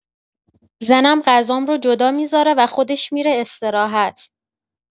زنم غذام رو جدا می‌ذاره و خودش می‌ره استراحت.